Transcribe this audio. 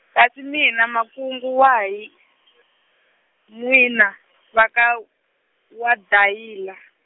kasi mi na makungu wahi , n'wina, va ka, waDayila?